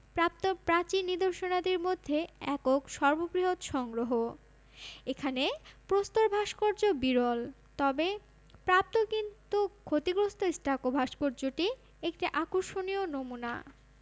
প্রাপ্ত প্রাচীন নিদর্শনাদির মধ্যে একক সর্ববৃহৎ সংগ্রহ এখানে প্রস্তর ভাস্কর্য বিরল তবে প্রাপ্ত কিন্তু ক্ষতিগ্রস্ত স্টাকো ভাস্কর্যটি একটি আকর্ষণীয় নমুনা